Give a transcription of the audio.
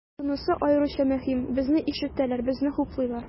Шунысы аеруча мөһим, безне ишетәләр, безне хуплыйлар.